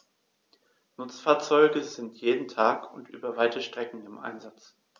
Nutzfahrzeuge sind jeden Tag und über weite Strecken im Einsatz.